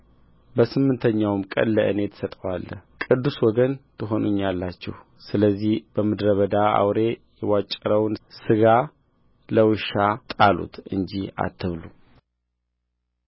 በስምንተኛውም ቀን ለእኔ ትሰጠዋለህ ቅዱስ ወገን ትሆኑልኛላችሁ ስለዚህ በምድረ በዳ አውሬ የቧጨረውን ሥጋ ለውሻ ጣሉት እንጂ አትብሉት